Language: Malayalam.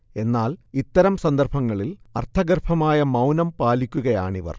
എന്നാൽ ഇത്തരം സന്ദർഭങ്ങളിൽ അർത്ഥഗർഭമായ മൗനം പാലിക്കുകയാണിവർ